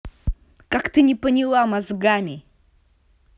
как ты не поняла мозгами